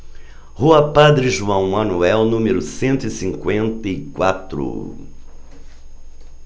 rua padre joão manuel número cento e cinquenta e quatro